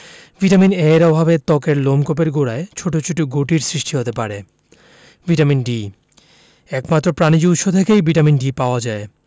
vitamin A এর অভাবে ত্বকের লোমকূপের গোড়ায় ছোট ছোট গুটির সৃষ্টি হতে পারে ভিটামিন ডি একমাত্র প্রাণিজ উৎস থেকেই ভিটামিন ডি পাওয়া যায়